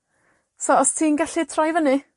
So os ti'n gallu troi fyny,